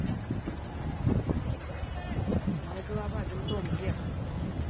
моя голова винтом глеб